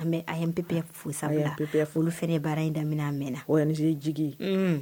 Yepsa fana baara in daminɛ mɛn na wa jigi ye